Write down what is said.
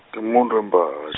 ngimumuntu, wembaj-.